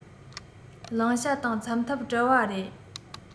བླང བྱ དང འཚམ ཐབས བྲལ བ རེད